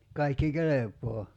kaikki kelpaa